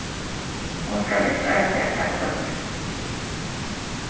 hon skal ikki arbeiða tað kvøldið